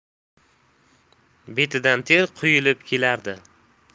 betidan ter quyilib kelardi